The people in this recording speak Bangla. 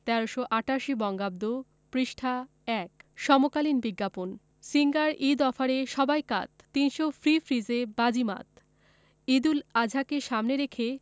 ১৩৮৮ বঙ্গাব্দ পৃষ্ঠা ১ সমকালীন বিজ্ঞাপন সিঙ্গার ঈদ অফারে সবাই কাত ৩০০ ফ্রি ফ্রিজে বাজিমাত ঈদুল আজহাকে সামনে রেখে